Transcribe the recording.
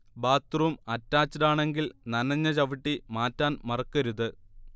bathroom അറ്റാച്ച്ഡാണെങ്കിൽ നനഞ്ഞ ചവിട്ടി മാറ്റാൻ മറക്കരുത്